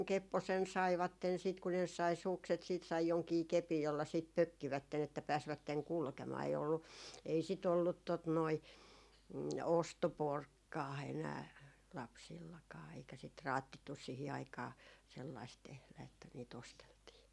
kepposen saivat sitten kun ne sai sukset sitten sai jonkin kepin jolla sitten pökkivät että pääsivät kulkemaan ei ollut ei sitä ollut tuota noin ostoporkkaa enää lapsillakaan eikä sitä raatsittu siihen aikaan sellaista tehdä että niitä osteltiin